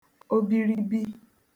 obìrìbì